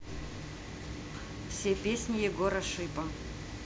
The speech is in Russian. все песни егора шипа